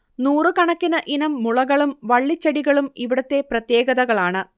നൂറുകണക്കിന് ഇനം മുളകളും വളളിച്ചെടികളും ഇവിടുത്തെ പ്രത്യേകതകളാണ്